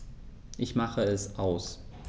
Ich mache es aus.